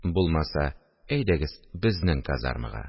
Булмаса, әйдәгез безнең казармага